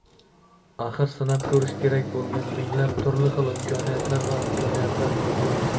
axir sinab ko'rish kerak bo'lgan minglab turli xil imkoniyatlar va imkoniyatlar mavjud